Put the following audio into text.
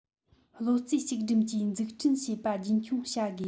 བློ རྩེ གཅིག སྒྲིམ གྱིས འཛུགས སྐྲུན བྱེད པ རྒྱུན འཁྱོངས བྱ དགོས